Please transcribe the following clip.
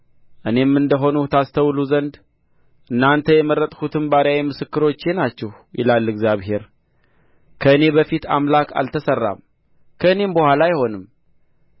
እኔም እንደሆንሁ ታስተውሉ ዘንድ እናንተ የመረጥሁትም ባሪያዬ ምስክሮቼ ናችሁ ይላል እግዚአብሔር ከእኔ በፊት አምላክ አልተሠራም ከእኔም በኋላ አይሆንም